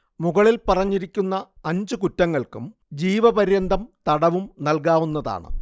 മുകളിൽ പറഞ്ഞിരിക്കുന്ന അഞ്ചു കുറ്റങ്ങൾക്കും ജീവപര്യന്തം തടവും നൽകാവുന്നതാണ്